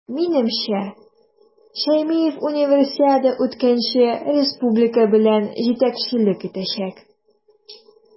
Минемчә, Шәймиев Универсиада үткәнче республика белән җитәкчелек итәчәк.